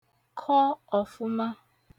kọ ọ̀fụma